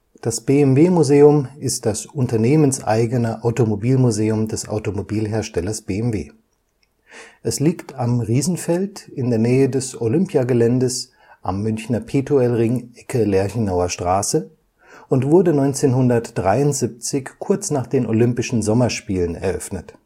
Das BMW Museum ist das unternehmenseigene Automobilmuseum des Automobilherstellers BMW. Es liegt Am Riesenfeld in der Nähe des Olympiageländes am Münchner Petuelring Ecke Lerchenauer Straße und wurde 1973 kurz nach den Olympischen Sommerspielen eröffnet